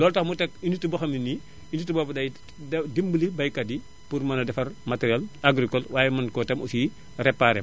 looloo tax mu teg unité boo xam ne nii unité boobu day day dimbali baykat yi pour mën a defar matériel agricole waaye mën ko itam aussi réparé